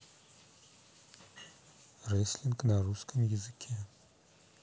реслинг на русском языке